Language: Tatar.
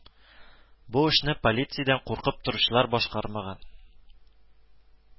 Бу эшне полициядән куркып торучылар башкармаган